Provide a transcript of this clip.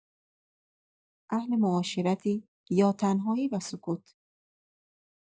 اهل معاشرتی یا تنهایی و سکوت؟